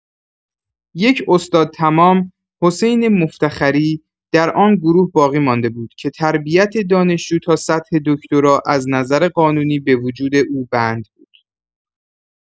یک استادتمام، حسین مفتخری، در آن گروه باقی‌مانده بود که تربیت دانشجو تا سطح دکتری از نظر قانونی به وجود او بند بود.